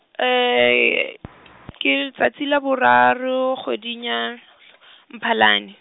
ke tsatsi la boraro, kgweding ya , Mphalane.